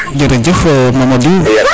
jerejef Mamadou